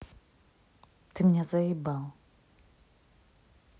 ты меня заебал